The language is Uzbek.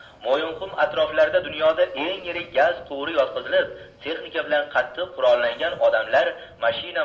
mo'yinqum atroflarida dunyoda eng yirik gaz quvuri yotqizilib texnika bilan qattiq qurollangan odamlar mashina